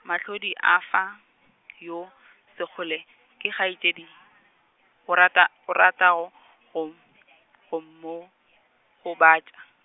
Mahlodi a fa, yo Segole, ke kgaetšedi o rata, o ratago, go m-, go mo, gobatša.